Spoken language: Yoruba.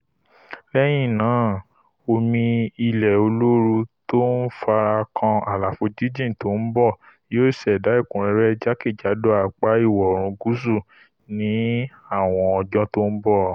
Lẹ́yìn náà, omi ilẹ̀ olóoru tó ńfara kan àlàfo jínjìn tó ḿbọ̀ yóò ṣẹ̀dá ẹ̀kúnrẹ́rẹ́ jákejádò apá Ìwọ̀-oòrùn Gúúsù ní àwọn ọjọ́ tó ḿbọ̀.